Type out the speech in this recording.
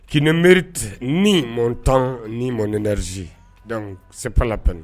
Qui ne mérite ni mon temps ni mon énergie, donc c'est pas la peine